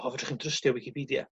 o fedrwch chi'n drystio Wicipidia